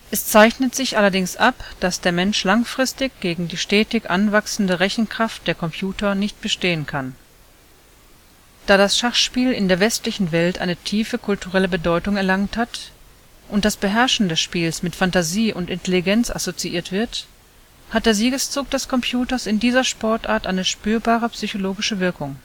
Es zeichnet sich allerdings ab, dass der Mensch langfristig gegen die stetig anwachsende Rechenkraft der Computer nicht bestehen kann. Da das Schachspiel in der westlichen Welt eine tiefe kulturelle Bedeutung erlangt hat und das Beherrschen des Spiels mit Phantasie und Intelligenz assoziiert wird, hat der Siegeszug des Computers in dieser Sportart eine spürbare psychologische Wirkung